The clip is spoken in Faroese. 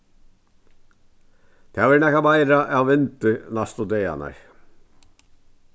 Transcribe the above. tað verður nakað meira av vindi næstu dagarnar